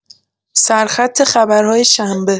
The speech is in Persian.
سرخط خبرهای شنبه